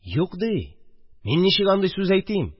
– юк, – ди, – мин ничек андый сүз әйтим